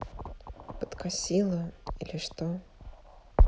подкосило или что